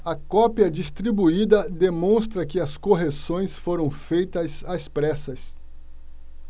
a cópia distribuída demonstra que as correções foram feitas às pressas